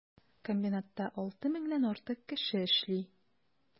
Комбинатта 6 меңнән артык кеше эшли.